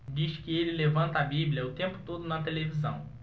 diz que ele levanta a bíblia o tempo todo na televisão